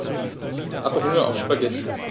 Ich habe Hunger auf Spaghetti.